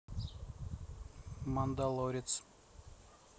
мандалорец